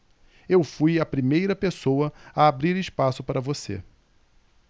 eu fui a primeira pessoa a abrir espaço para você